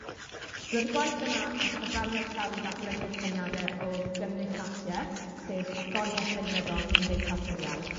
Rodd y gwaith yma a chyfraniad Sel i ddatblygu'r syniade o gymdeithasieth, sef athroniaeth gwleidyddol cymdeithas yr iaith,